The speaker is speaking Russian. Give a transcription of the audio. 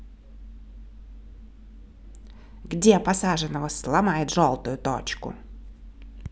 где посаженного сломает желтую точку